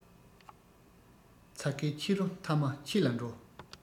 ཚྭ ཁའི ཁྱི རོ མཐའ མ ཁྱི ལ འགྲོ